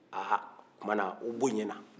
aa o tuma na o bonyana